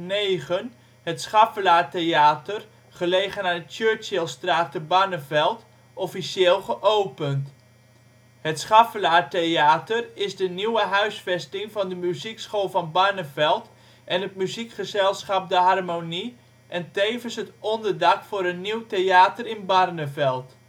2009 het Schaffelaartheater gelegen aan de Churchillstraat te Barneveld officieel geopend. Het Schaffelaartheater is de nieuwe huisvesting van de muziekschool van Barneveld en het muziekgezelschap De Harmonie, en tevens het onderdak voor een nieuw theater in Barneveld